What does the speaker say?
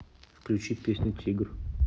включи песню тигр